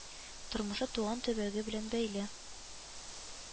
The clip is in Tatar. Тормышы туган төбәге белән бәйле